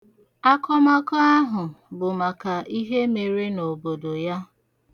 Akọmakọ ahụ bụ maka ihe mere n'obodo ya.